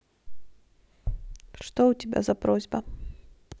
что у тебя за просьба